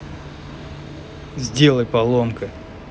сделай поломка